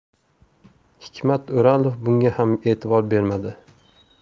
hikmat o'rolov bunga ham e'tibor bermadi